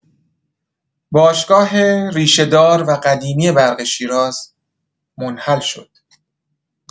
باشگاه ریشه‌دار و قدیمی برق شیراز، منحل شد!